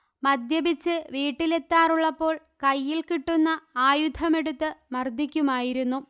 മദ്യപിച്ച് വീട്ടിലെത്താറുള്ളപ്പോൾ കൈയിൽ കിട്ടുന്ന ആയുധമെടുത്ത് മർദിക്കുമായിരുന്നു